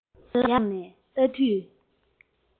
ཡར བླངས ནས ལྟ དུས